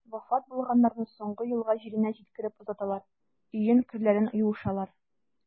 Вафат булганнарны соңгы юлга җиренә җиткереп озаталар, өен, керләрен юышалар.